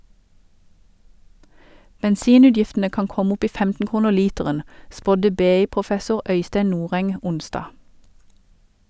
Bensinutgiftene kan komme opp i 15 kroner literen, spådde BI-professor Øystein Noreng onsdag.